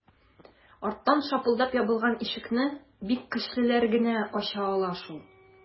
Арттан шапылдап ябылган ишекне бик көчлеләр генә ача ала шул...